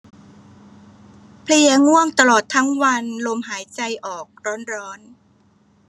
เพลียง่วงตลอดทั้งวันลมหายใจออกร้อนร้อน